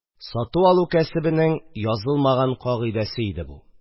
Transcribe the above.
Сату-алу кәсебенең язылмаган кагыйдәсе иде бу!